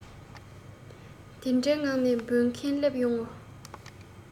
དེ འདྲའི ངང ནས འབོད མཁན སླེབས ཡོང ངོ